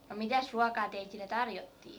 no mitäs ruokaa teille tarjottiin